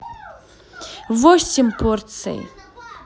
восемь порций